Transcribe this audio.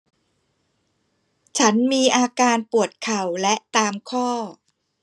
ฉันมีอาการปวดเข่าและตามข้อ